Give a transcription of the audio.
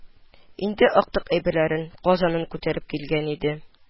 Инде актык әйберен – казанын күтәреп килгән иде